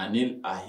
Ani ni a